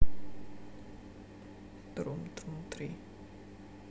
трум трум три